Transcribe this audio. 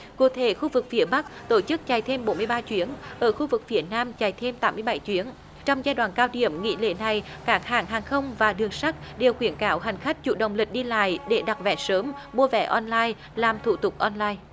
cụ thể khu vực phía bắc tổ chức chạy thêm bốn mươi ba chuyến ở khu vực phía nam chạy thêm tám mươi bảy chuyến trong giai đoạn cao điểm nghỉ lễ này các hãng hàng không và đường sắt đều khuyến cáo hành khách chủ động lịch đi lại để đặt vé sớm mua vé on lai làm thủ tục on lai